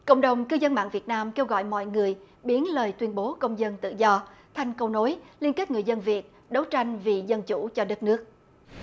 cộng đồng cư dân mạng việt nam kêu gọi mọi người biến lời tuyên bố công dân tự do thành cầu nối liên kết người dân việt đấu tranh vì dân chủ cho đất nước